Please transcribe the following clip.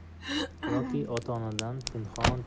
yoki ota onadan